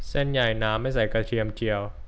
เส้นใหญ่น้ำไม่ใส่กระเทียมเจียว